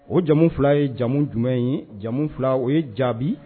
O jamu fila ye jamu jumɛn ye jamu fila o ye jaabi